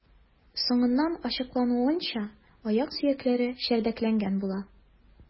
Соңыннан ачыклануынча, аяк сөякләре чәрдәкләнгән була.